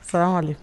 Fali